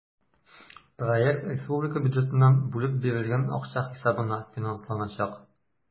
Проект республика бюджетыннан бүлеп бирелгән акча хисабына финансланачак.